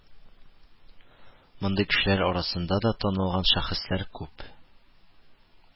Мондый кешеләр арасында да танылган шәхесләр күп